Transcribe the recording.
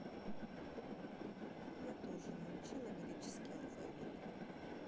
я тоже не учила греческий алфавит